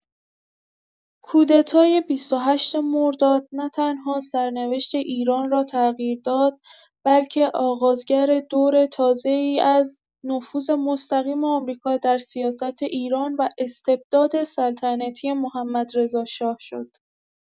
کودتای ۲۸ مرداد نه‌تنها سرنوشت ایران را تغییر داد، بلکه آغازگر دور تازه‌ای از نفوذ مستقیم آمریکا در سیاست ایران و استبداد سلطنتی محمدرضاشاه شد.